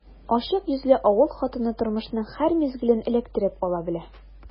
Ачык йөзле авыл хатыны тормышның һәр мизгелен эләктереп ала белә.